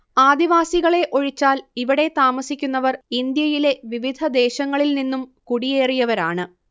ആദിവാസികളെ ഒഴിച്ചാൽ ഇവിടെ താമസിക്കുന്നവർ ഇന്ത്യയിലെ വിവിധ ദേശങ്ങളിൽ നിന്നും കുടിയേറിയവരാണ്